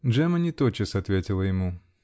Джемма не тотчас отвечала ему.